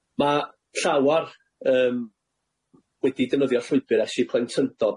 Ma' llawar yym wedi defnyddio'r llwybyr ers 'u plentyndod,